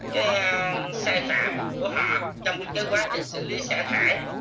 cái sai phạm của họ trong cái quá trình xử lý xả thải